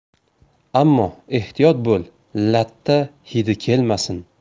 ammo ehtiyot bo'l latta hidi kelmasin